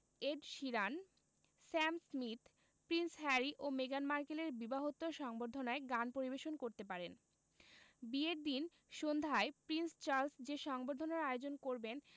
add Sheeran Sam Smith Prince Harry ও মেগান মার্কেলের বিবাহোত্তর সংবর্ধনায় গান পরিবেশন করতে পারেন বিয়ের দিন সন্ধ্যায় প্রিন্স চার্লস যে সংবর্ধনার আয়োজন করবেন